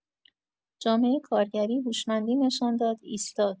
جامعۀ کارگری هوشمندی نشان داد ایستاد.